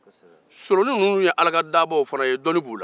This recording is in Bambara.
solonin ninnu ye ala ka daabaw fana ye dɔnni b'u la